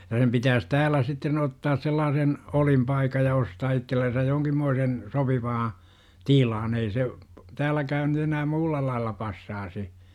ja sen pitäisi täällä sitten ottaa sellainen olinpaikka ja ostaa itsellensä jonkinmoinen sopiva tila ei se täälläkään nyt enää muulla lailla passaisi